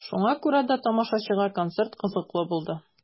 Шуңа күрә дә тамашачыга концерт кызыклы булды.